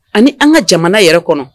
Ani an ka jamana yɛrɛ kɔnɔ